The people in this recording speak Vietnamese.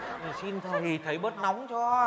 xin thầy thầy bớt nóng cho